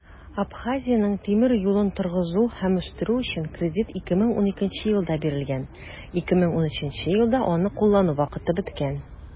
Абхазиянең тимер юлын торгызу һәм үстерү өчен кредит 2012 елда бирелгән, 2013 елда аны куллану вакыты беткән.